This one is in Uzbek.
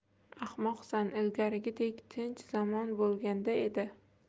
ahmoqsan ilgarigidek tinch zamon bo'lganda edi